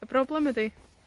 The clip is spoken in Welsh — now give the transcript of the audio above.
Y broblem ydi,